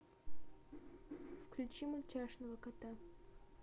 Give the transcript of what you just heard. включи мультяшного кота